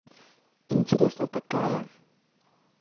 интересно такая